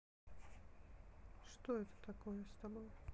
что это такое с тобой